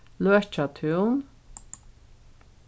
løkjatún